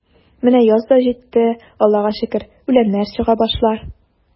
Менә яз да житте, Аллага шөкер, үләннәр чыга башлар.